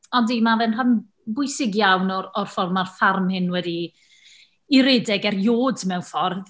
O yndi, mae fe'n rhan bwysig iawn o'r o'r ffordd mae'r fferm hyn wedi ei redeg erioed mewn ffordd.